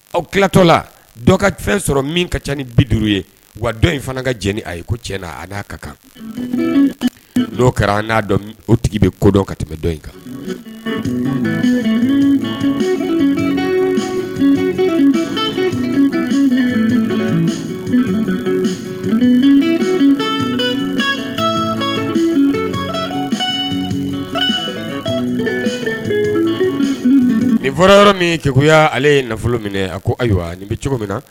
Aw tilatɔ la dɔ ka fɛn sɔrɔ min ka ca ni bi duuru ye wa dɔ in fana ka j a ye ko ti na a n'a ka kan n'o kɛra an n'a dɔn o tigi bɛ kodɔn ka tɛmɛ dɔ in kan nin fɔra yɔrɔ min kɛgoya ale ye nafolo minɛ a ko ayiwa nin bɛ cogo min na